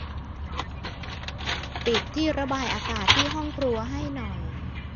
ปิดที่ระบายอากาศที่ห้องครัวให้หน่อย